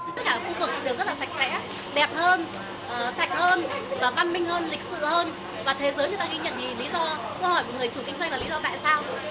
tất cả khu vực đều rất là sạch sẽ đẹp hơn sạch hơn và văn minh hơn lịch sự hơn và thế giới người ta ghi nhận vì lý do cho hỏi mọi người chủ kinh doanh là lý do tại sao